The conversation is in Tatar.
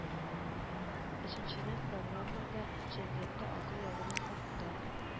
Өченчедән, программада җәмгыятьтә акыл ягыннан артта